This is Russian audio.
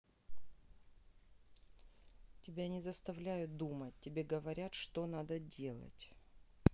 тебя не заставляют думать тебе говорят что надо делать